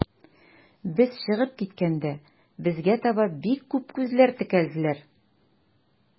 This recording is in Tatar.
Без чыгып киткәндә, безгә таба бик күп күзләр текәлделәр.